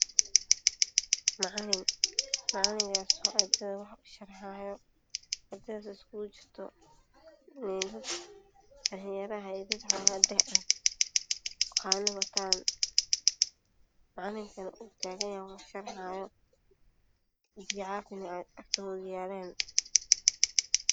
Waa macalin ardey wax usharxaayo, ardaydu waa dhar jaale ah iyo arday dhar cadeys ah, buugaag wataan. Macalinkuna hortaag yahay oo wax usharaxaayo biyo caafi agyaalo.